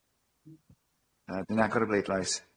y- dwi'n agor y bleidlais.